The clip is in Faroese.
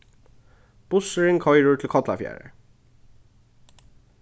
bussurin koyrir til kollafjarðar